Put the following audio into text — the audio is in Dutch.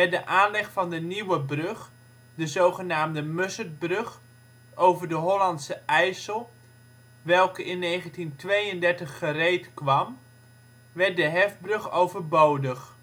de aanleg van de nieuwe brug (de zogenaamde Mussertbrug) over de Hollandse IJssel welke in 1932 gereedkwam, werd de hefbrug overbodig